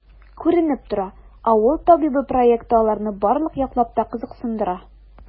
Күренеп тора,“Авыл табибы” проекты аларны барлык яклап та кызыксындыра.